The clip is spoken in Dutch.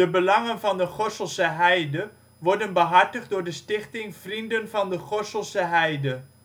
belangen van de Gorsselse Heide worden behartigd door de Stichting Vrienden van de Gorsselse Heide